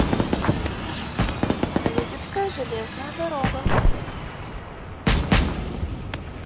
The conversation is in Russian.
витебская железная дорога